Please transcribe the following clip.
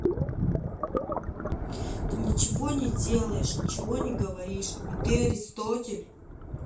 ты ничего не делаешь ничего не говоришь и ты аристотель